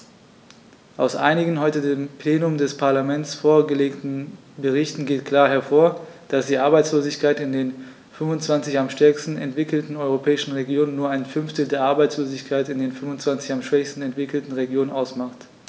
Aus einigen heute dem Plenum des Parlaments vorgelegten Berichten geht klar hervor, dass die Arbeitslosigkeit in den 25 am stärksten entwickelten europäischen Regionen nur ein Fünftel der Arbeitslosigkeit in den 25 am schwächsten entwickelten Regionen ausmacht.